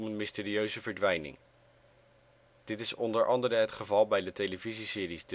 mysterieuze verdwijning. Dit is onder andere het geval bij de televisieseries